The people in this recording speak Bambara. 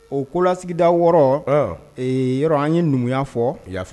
O kolasigida 6, aan, yarɔ an ye numuya fɔ, i y'a fɔ.